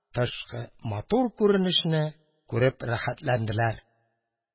Тыштагы матур күренешне күреп рәхәтләнделәр.